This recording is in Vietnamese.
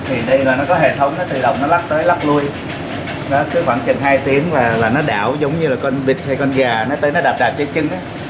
thì đây là nó có hệ thống nó tự động nó lắc tới lắc lui nó cứ khoảng chừng hai tiếng là là nó đảo giống như là con vịt hay con gà nó tới nó đạp đạp cái chân á